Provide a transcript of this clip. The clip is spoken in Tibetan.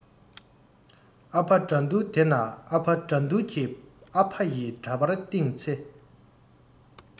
ཨ ཕ དགྲ འདུལ དེ ན ཨ ཕ དགྲ འདུལ གྱི ཨ ཕ ཡི འདྲ པར སྟེང ཚེ